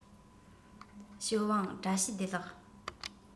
ཞའོ ཝང བཀྲ ཤིས བདེ ལེགས